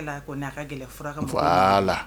Ko' a ka gɛlɛ furakɛ